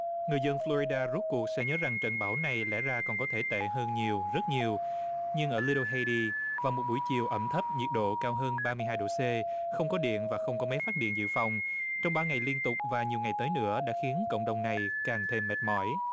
người dân pho li đa rốt cuộc sẽ nhớ rằng trận bão này lẽ ra còn có thể tệ hơn nhiều rất nhiều nhưng ở lê đô hêy đi vào một buổi chiều ẩm thấp nhiệt độ cao hơn ba mươi hai độ xê không có điện và không có máy phát điện dự phòng trong ba ngày liên tục và nhiều ngày tới nữa đã khiến cộng đồng này càng thêm mệt mỏi